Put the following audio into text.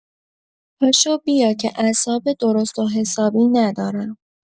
پاشو بیا که اعصاب درست و حسابی ندارم.